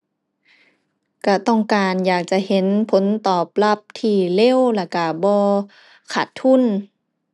ก็ต้องการอยากจะเห็นผลตอบรับที่เร็วแล้วก็บ่ขาดทุน